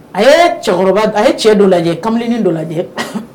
A ye cɛkɔrɔba a ye cɛ dɔ lajɛ kamalenini dɔ lajɛ